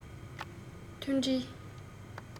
མཐུན སྒྲིལ